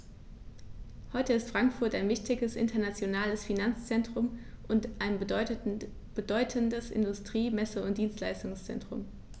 Heute ist Frankfurt ein wichtiges, internationales Finanzzentrum und ein bedeutendes Industrie-, Messe- und Dienstleistungszentrum.